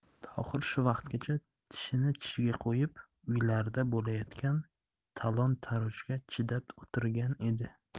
tohir shu vaqtgacha tishini tishiga qo'yib uylarida bo'layotgan talon torojga chidab o'tirgan edi